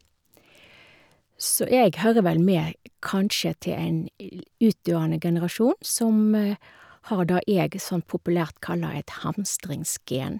Så jeg hører vel med kanskje til en utdøende generasjon som har det jeg sånn populært kaller et hamstringsgen.